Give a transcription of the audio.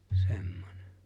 semmoinen